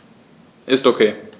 Ist OK.